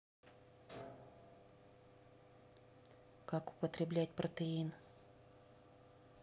как употреблять протеин